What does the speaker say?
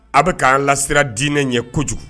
A bɛ k' lasira diinɛ ye kojugu